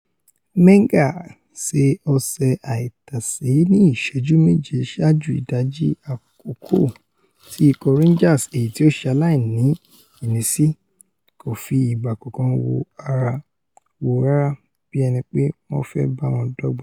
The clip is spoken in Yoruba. Menga ṣe ọṣẹ́ àìtàṣe ní ìṣẹ́jú méje saájú ìdajì-àkókò tí ikọ̀ Rangers èyití ó ṣe aláìní ìnísí kòfi ìgbà kankan wò rárá bí ẹnipé wọ́n fẹ́ báwọn dọ́gba.